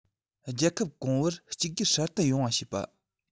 རྒྱལ ཁབ གོང བུ གཅིག གྱུར སྲ བརྟན པོ ཡོང བ བྱེད པ